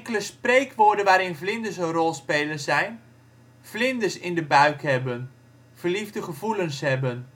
de Ley Enkele spreekwoorden waarin vlinders een rol spelen zijn: Vlinders in de buik hebben - verliefde gevoelens hebben